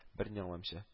Берни аңламыйча